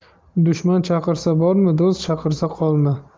dushman chaqirsa borma do'st chaqirsa qolma